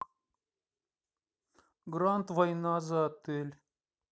гранд война за отель